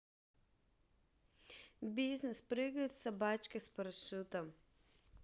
бизнес прыгает с собакой с парашютом